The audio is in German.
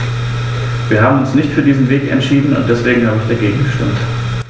Wir haben uns nicht für diesen Weg entschieden, und deswegen habe ich dagegen gestimmt.